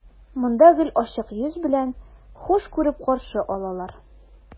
Монда гел ачык йөз белән, хуш күреп каршы алалар.